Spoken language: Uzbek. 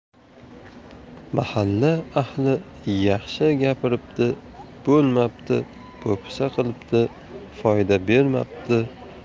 mahalla ahli yaxshi gapiribdi bo'lmabdi po'pisa qilibdi foyda bermabdi